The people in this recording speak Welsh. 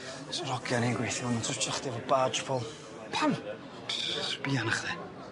Sa'r hogie o'n i'n gweithio am yn twtsio chdi efo barge pole. Pam? Sbia arnach chdi.